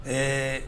Ee